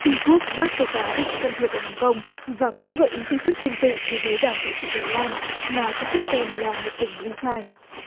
trung quốc bác tố cáo về sự can thiệp ở hồng công và cũng gợi ý thách thức tương tự đối với đảo tự trị đài loan mà trung quốc xem là một tỉnh ly khai